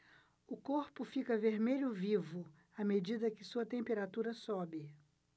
o corpo fica vermelho vivo à medida que sua temperatura sobe